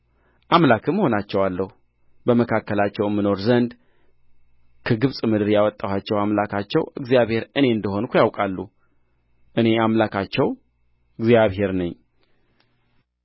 አምላክም እሆናቸዋለሁ በመካከላቸውም እኖር ዘንድ ከግብፅ ምድር ያወጣኋቸው አምላካቸው እግዚአብሔር እኔ እንደ ሆንሁ ያውቃሉ እኔ አምላካቸው እግዚአብሔር ነኝ